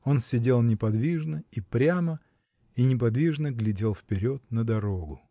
он сидел неподвижно и прямо, и неподвижно глядел вперед на дорогу.